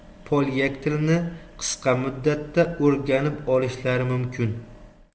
polyak tilini qisqa muddatda o'rganib olishlari mumkin